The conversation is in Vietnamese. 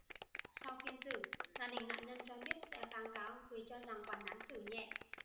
sau phiên xử gia đình nạn nhân cho biết sẽ kháng cáo vì cho rằng bản án xử nhẹ